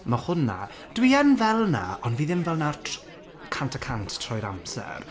Ma' hwnna... dwi yn fel 'na, ond fi ddim fel 'na tr- cant y cant trwy'r amser.